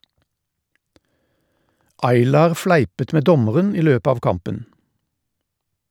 Aylar fleipet med dommeren i løpet av kampen.